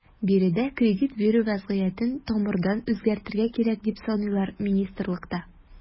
Биредә кредит бирү вәзгыятен тамырдан үзгәртергә кирәк, дип саныйлар министрлыкта.